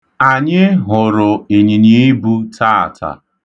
Anyị hụrụ ịnyịnyiibu taata.